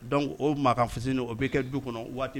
Dɔnkuc o maa ka fu o bɛ kɛ du kɔnɔ waati